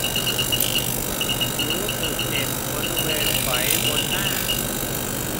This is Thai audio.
รู้สึกเจ็บบริเวณไฝบนหน้า